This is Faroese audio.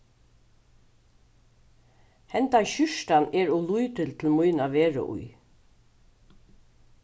hendan skjúrtan er ov lítil til mín at vera í